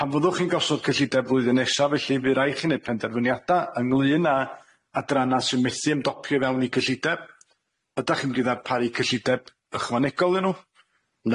Pan fyddwch chi'n gosod cyllideb flwyddyn nesa felly fydd rai' chi'n neud penderfyniada ynglŷn â adranna sy methu ymdopi i fewn i cyllideb, ydach chi'n mynd i ddarparu cyllideb ychwanegol i nw?